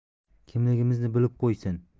kimligimizni bilib qo'ysin